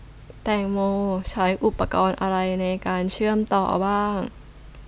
แตงโมใช้อุปกรณ์อะไรในการเชื่อมต่อบ้าง